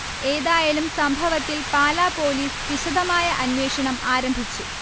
ഏതായാലും സംഭവത്തിൽ പാലാ പോലീസ് വിശദമായ അന്വേഷണം ആരംഭിച്ചു